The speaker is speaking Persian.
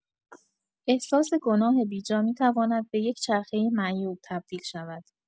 احساس گناه بی‌جا می‌تواند به یک چرخۀ معیوب تبدیل شود.